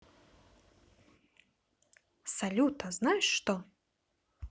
салют а знаешь что